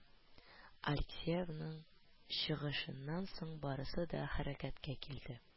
Алексеевның чыгышыннан соң барысы да хәрәкәткә килде